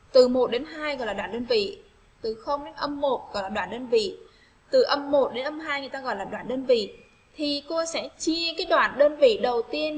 từ đến là đoạn đơn vị từ đến đơn vị từ đến người ta gọi là đoạn đơn vị thì qua sẽ chi cái đoạn đơn vị đầu tiên